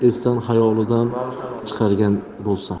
mash'um urushni esidan xayolidan chiqargan bo'lsa